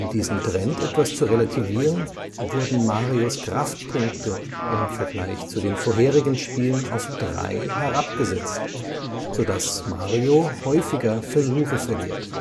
diesen Trend etwas zu relativieren, wurden Marios Kraftpunkte im Vergleich zu den vorherigen Spielen auf drei herabgesetzt, sodass Mario häufiger Versuche verliert